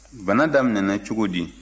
bana daminɛna cogo di